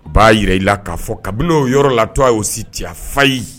B'a jira i la k'a fɔ kabini o yɔrɔ latɔ a y'o sic fa ye